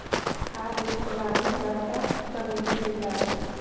xa deb ularning battar qitig'iga tegardi